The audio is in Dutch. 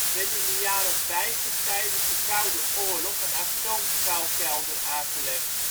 werd in de jaren 50 tijdens de Koude Oorlog een atoomschuilkelder aangelegd